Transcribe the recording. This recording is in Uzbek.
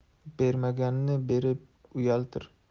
bermaganni berib uyaltir